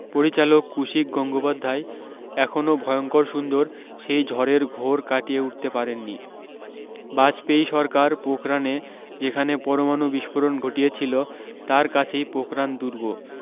পরিচালক কুশিক গঙ্গোপাধ্যায় এখনও ভয়ঙ্কর সুন্দর সেই ঝড়ের ঘোর কাটিয়ে উঠতে পারেননি বাজপেয়ী সরকার পোখরানে যেখানে পরমাণু বিস্ফোরণ ঘটিয়েছিল তার কাছেই পোখরান দুর্গ